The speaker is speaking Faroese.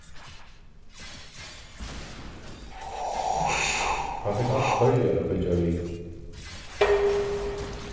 hann fekk alt føroyar at fylgja við